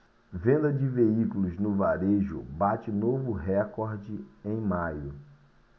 venda de veículos no varejo bate novo recorde em maio